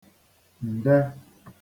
ǹde